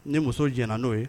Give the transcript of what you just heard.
Ni muso jɛna n'o ye!